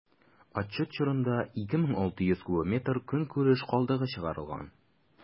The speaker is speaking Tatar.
Отчет чорында 2600 кубометр көнкүреш калдыгы чыгарылган.